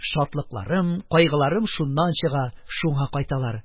Шатлыкларым, кайгыларым шуннан чыга, шуңа кайталар.